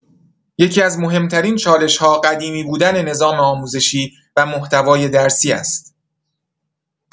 یکی‌از مهم‌ترین چالش‌ها قدیمی بودن نظام آموزشی و محتوای درسی است.